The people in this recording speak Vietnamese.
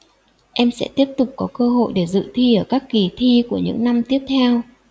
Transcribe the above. em sẽ tiếp tục có cơ hội để dự thi ở các kỳ thi của những năm tiếp theo